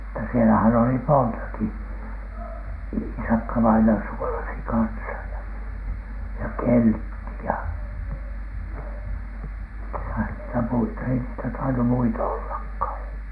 mutta siellähän oli montakin Iisakka-vainaja suolasi kanssa ja ja Keltti ja ketäs niitä muita ei niitä tainnut muita ollakaan kai